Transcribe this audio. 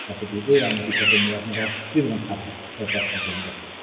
Os ydy AI yn pigo i fyny arno fo mi fydd o'n parhau heb os